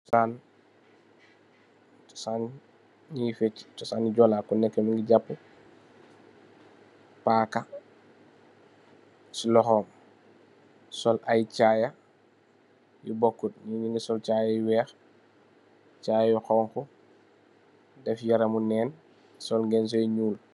Chosan, chosan njungy feuchi chosani jola, ku neku mungy japu pakah cii lokhom, sol aiiy chayah yu bokul, njee njungy sol chayah yu wekh, chayah yu honhu, def yaramu nen, sol ngensoh yu njull.